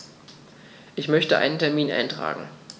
Ich möchte einen Termin eintragen.